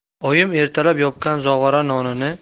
oyim ertalab yopgan zog'ora nonini